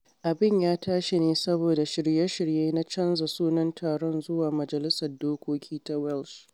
Abin ya tashi ne saboda shirye-shirye na canza sunan taron zuwa Majalisar Dokoki ta Welsh.